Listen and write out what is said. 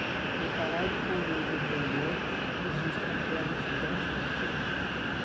comparado com o mês anterior registra queda de dez por cento